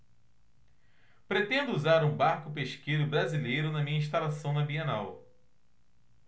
pretendo usar um barco pesqueiro brasileiro na minha instalação na bienal